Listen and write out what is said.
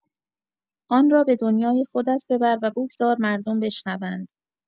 آن را به دنیای خودت ببر و بگذار مردم بشنوند.